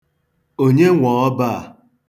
Onye nwe ọba a?